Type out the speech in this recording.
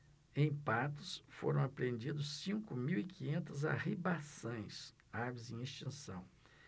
em patos foram apreendidas cinco mil e quinhentas arribaçãs aves em extinção